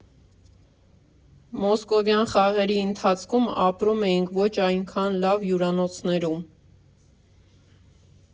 «Մոսկովյան խաղերի ընթացքում ապրում էինք ոչ այնքան լավ հյուրանոցներում։